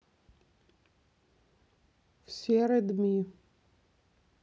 все редми